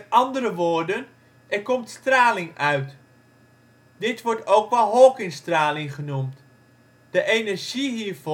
andere woorden: er komt straling uit. Dit wordt ook wel ' Hawkingstraling ' genoemd. De energie hiervoor wordt